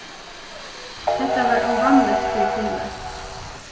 hetta var óvanligt fyri fílar